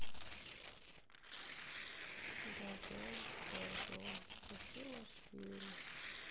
гордон гордон басилашвили